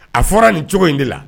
A fɔra nin cogo in de la